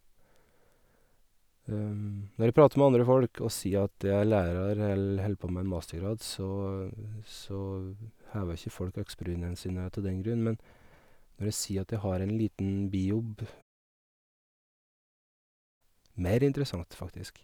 Når jeg prater med andre folk og sier at jeg er lærer eller holder på med en mastergrad, så så hever ikke folk augsbrynan sine ta den grunn, men når jeg sier at jeg har en liten bijobb mer interessant, faktisk.